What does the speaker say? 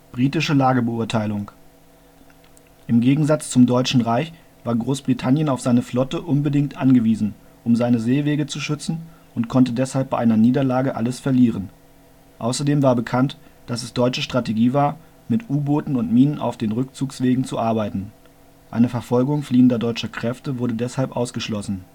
Britische Lagebeurteilung Im Gegensatz zum Deutschen Reich war Großbritannien auf seine Flotte unbedingt angewiesen, um seine Seewege zu schützen und konnte deshalb bei einer Niederlage alles verlieren. Außerdem war bekannt, dass es deutsche Strategie war, mit U-Booten und Minen auf den Rückzugswegen zu arbeiten. Eine Verfolgung fliehender deutscher Kräfte wurde deshalb ausgeschlossen